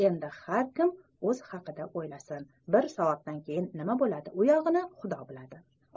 endi har kim o'zi haqida o'ylasin bir soatdan keyin nima bo'ladi u yog'ini xudo biladi